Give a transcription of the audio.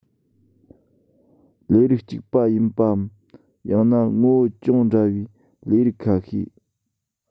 ལས རིགས གཅིག པ ཡིན པའམ ཡང ན ངོ བོ ཅུང འདྲ བའི ལས རིགས ཁ ཤས